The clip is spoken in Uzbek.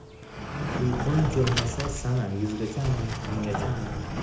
uyqung kelmasa sana yuzgachami minggachami